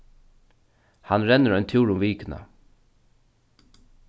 hann rennur ein túr um vikuna